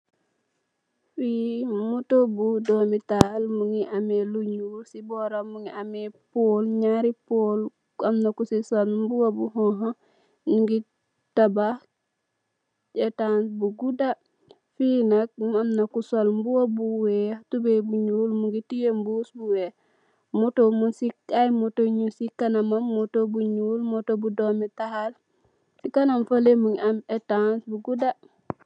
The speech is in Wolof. Fi moto bu domital mogi ame lu nuul si boram mogi ame pole naari pole amna Kosi sol mbuba bu xonxa mungi tabax entax bu guuda fi nax amna ko sol mbuba bu weex tabay bu nuul mongi tiye mbuss bu weex moto mun si ay moto mung si kanam moto bu nuul moto bu domital sikanam fele mogi am etax bu guda.